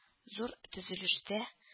Зур төзелештә